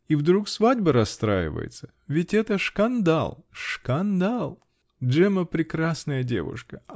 И вдруг свадьба расстраивается! Ведь это шкандал, шкандал! Джемма -- прекрасная девушка